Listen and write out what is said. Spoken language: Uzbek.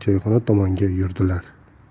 choyxona tomonga yurdilar